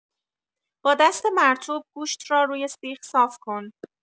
با دست مرطوب گوشت را روی سیخ صاف‌کن.